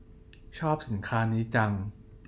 ชอบสินค้านี้จัง